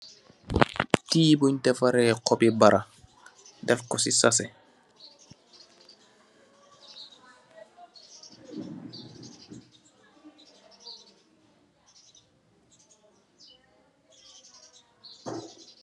Tea bun defare hubee bara def ku se saseh.